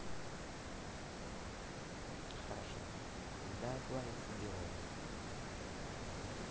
хорошо давай сделаем это